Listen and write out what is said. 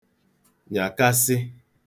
nyàkasị